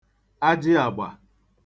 ajịàgbà